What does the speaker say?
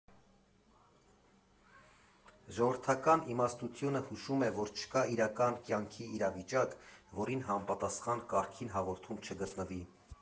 Ժողովրդական իմաստությունը հուշում է, որ չկա իրական կյանքի իրավիճակ, որին համապատասխան Կարգին հաղորդում չգտնվի.